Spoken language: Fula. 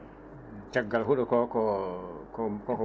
caggal huuɗo ko ko ko